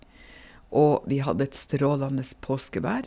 Og vi hadde et strålende påskevær.